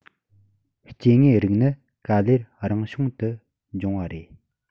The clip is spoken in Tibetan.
སྐྱེ དངོས རིགས ནི ག ལེར རང བྱུང དུ འབྱུང བ རེད